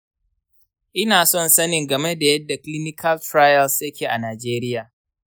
ina son sanin game da yadda clinical trials yake a najeriya.